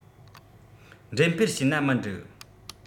འགྲེམས སྤེལ བྱས ན མི འགྲིག